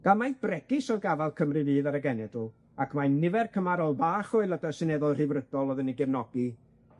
Gan mai bregus o'dd gafal Cymru Fydd ar y genedl, ac mai nifer cymarol bach o aelodau seneddol Rhyddfrydol o'dd yn eu gefnogi,